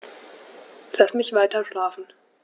Lass mich weiterschlafen.